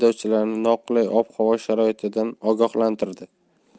haydovchilarni noqulay ob havo sharoitidan ogohlantirdi